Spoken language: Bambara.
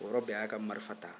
o yɔrɔ bɛɛ a y'a ka marifa ta